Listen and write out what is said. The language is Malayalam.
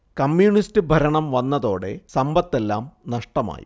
കമ്യൂണിസ്റ്റ് ഭരണം വന്നതോടെ സമ്പത്തെല്ലാം നഷ്ടമായി